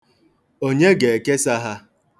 Onye ga-ekesa ha?